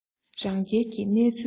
རང རྒྱལ གྱི གནས ཚུལ དང